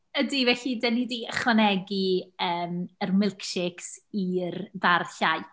Ydy, felly dan ni 'di ychwanegu yym yr milkshakes i'r bar llaeth.